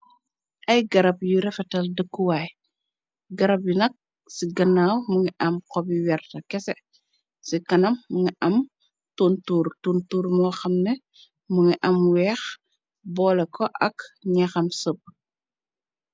Ay garab yuy refetal dakuway, garab yi nak ci ganaw mugii am xop yu werta kessé, si kanam mugii am tontorr, tontorr mo xamneh mugii am wèèx boliko ak nexam sëp.